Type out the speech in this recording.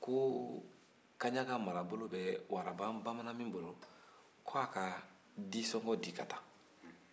ko kaɲaga marabolo bɛ waraban bamanan min bolo k'a ka disɔngɔn di ka taa